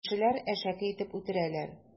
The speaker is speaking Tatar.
Кешеләр әшәке итеп үтерәләр.